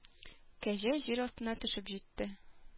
Кәҗә җир астына төшеп җитте